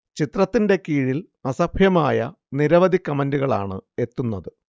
ചിത്രത്തിന്റെ കീഴിൽ അസഭ്യമായ നിരവധി കമന്റുകളാണ് എത്തുന്നത്